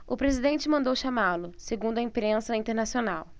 o presidente mandou chamá-lo segundo a imprensa internacional